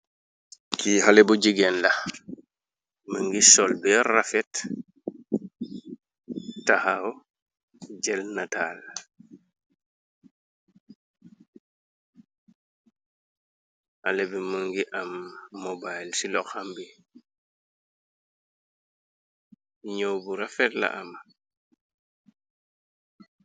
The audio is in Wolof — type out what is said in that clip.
Kii xale bu jigeen la, mungi sol be rafet taxaw jel nataal. Xale bi mungi am mobile ci loxam bi, ñyoo bu rafet la am.